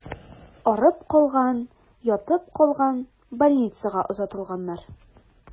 Арып калган, ятып калган, больницага озатылганнар.